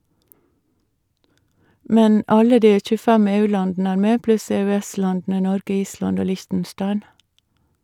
Men alle de 25 EU-landene er med, pluss EØS-landene Norge, Island og Liechtenstein.